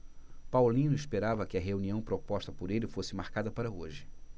paulino esperava que a reunião proposta por ele fosse marcada para hoje